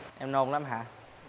em nôn lắm hả